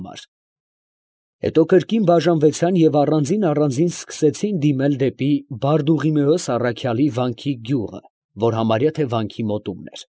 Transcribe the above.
Համար. հետո կրկին բաժանվեցան և առանձին֊առանձին սկսեցին դիմել դեպի Բարդուղիմեոս առաքյալի վանքի գյուղը, որ համարյա թե վանքի մոտումն էր։